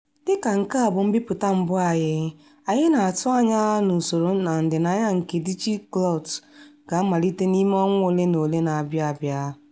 Dị ka nke a bụ mbipụta mbụ anyị, anyị na-atụ anya na usoro na ndịnaya nke 'DigiGlot' ga-amalite n'ime ọnwa ole na ole na-abịa abịa.